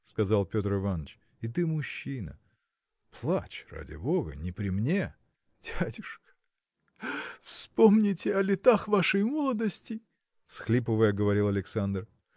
– сказал Петр Иваныч, – и ты мужчина! плачь, ради бога, не при мне! – Дядюшка! Вспомните о летах вашей молодости – всхлипывая говорил Александр